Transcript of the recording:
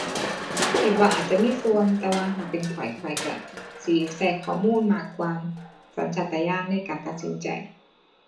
คิดว่าอาจจะมีส่วน แต่ว่าถ้าเป็นข้อย ข้อยก็สิก็ข้อมูลมากกว่าสัญชาตญาณในการตัดสินใจ